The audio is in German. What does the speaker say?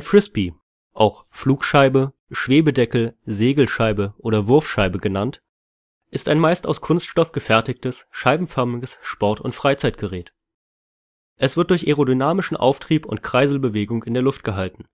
Frisbee, auch Flugscheibe, Schwebedeckel, Segelscheibe oder Wurfscheibe genannt, ist ein meist aus Kunststoff gefertigtes, scheibenförmiges Sport - und Freizeitgerät. Es wird durch aerodynamischen Auftrieb und Kreiselbewegung in der Luft gehalten.